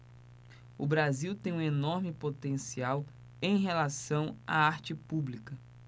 o brasil tem um enorme potencial em relação à arte pública